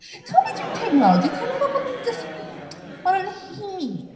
Ti'n gwybod be dwi'n teimlo? Dwi'n teimlo fel bod nhw jyst, maen nhw'n hŷn...